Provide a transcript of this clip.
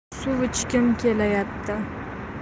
suv ichgim kelayapti